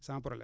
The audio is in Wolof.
sans problème